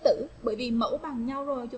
bởi vì mẫu bằng nhau rồi